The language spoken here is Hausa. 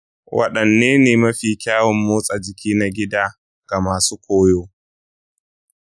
wadanne ne mafi kyawun motsa jiki na gida ga masu koyo?